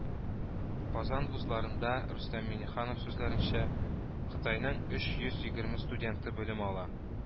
Казан вузларында, Рустам Миңнеханов сүзләренчә, Кытайның оч йоз егерме студенты белем ала